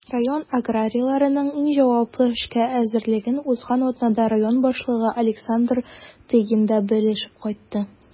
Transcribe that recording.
Район аграрийларының иң җаваплы эшкә әзерлеген узган атнада район башлыгы Александр Тыгин да белешеп кайтты.